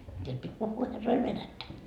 siellä piti puhua herroille venäjää